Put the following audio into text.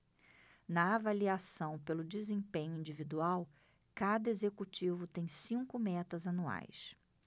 na avaliação pelo desempenho individual cada executivo tem cinco metas anuais